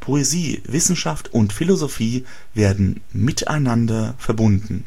Poesie, Wissenschaft und Philosophie werden miteinander verbunden